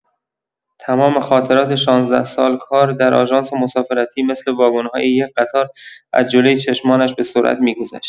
تمام خاطرات شانزده سال کار در آژانس مسافرتی مثل واگن‌های یک قطار از جلوی چشمانش به‌سرعت می‌گذشت.